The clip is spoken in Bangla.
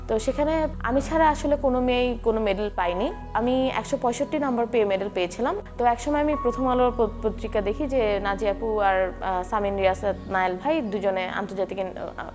তো সেখানে আমি ছাড়া আসলে কোন মেয়েই কোন মেডেল পাইনি আমি ১৬৫ নাম্বার পেয়ে মেডেল পেয়েছিলাম তো এক সময় আমি প্রথম আলো পত্রিকা দেখি নাজিয়া আপু আর সামিন রিয়াসাত নাইল ভাই দুজনে আন্তর্জাতিক গণিত